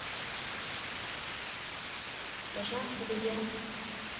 прожарка дудя